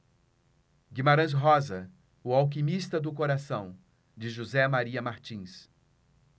guimarães rosa o alquimista do coração de josé maria martins